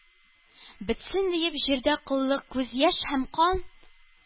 «бетсен,— диеп,— җирдә коллык, күз-яшь һәм кан!»